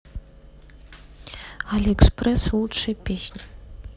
аликспресс и лучшие песни